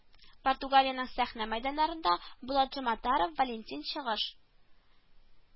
Португалиянең сәхнә мәйданнарында Болат Жомартов Валентин чыгыш